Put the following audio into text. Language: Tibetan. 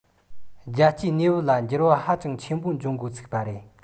རྒྱལ སྤྱིའི གནས བབ ལ འགྱུར བ ཧ ཅང ཆེན པོ འབྱུང འགོ ཚུགས པ རེད